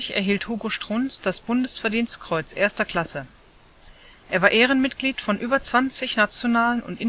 erhielt Hugo Strunz das Bundesverdienstkreuz 1. Klasse. Er war Ehrenmitglied von über zwanzig nationalen und